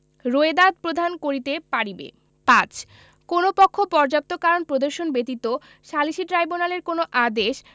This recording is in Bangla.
রোয়েদাদ প্রদান করিতে পারিবে ৫ কোন পক্ষ পর্যান্ত কারণ প্রদর্শন ব্যতীত সালিসী ট্রাইব্যুনালের কোন আদেশ